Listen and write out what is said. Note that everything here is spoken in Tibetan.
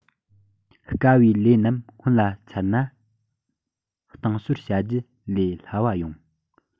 དཀའ བའི ལས རྣམས སྔོན ལ ཚར ན རྟིང སོར བྱ རྒྱུ ལས སླ བ ཡོང